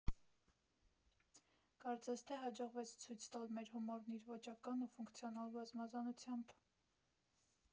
Կարծես թե հաջողվեց ցույց տալ մեր հումորն իր ոճական ու ֆունկցիոնալ բազմազանությամբ։